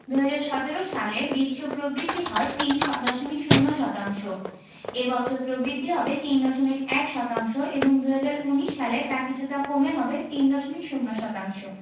২০১৭ সালে বিশ্ব প্রবৃদ্ধি হয় ৩.০ শতাংশ এ বছর প্রবৃদ্ধি হবে ৩.১ শতাংশ এবং ২০১৯ সালে তা কিছুটা কমে হবে ৩.০ শতাংশ